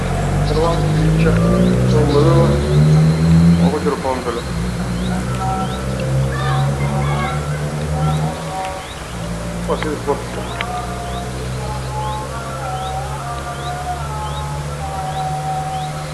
Meeshaan waxaa iga muuqdo surwaal sportis oo madow ah oo aada u qurxan